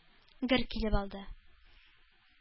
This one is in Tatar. Гөр килеп алды.